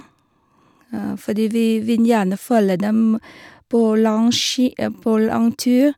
Fordi vi vil gjerne følge dem på lang ski på lang tur.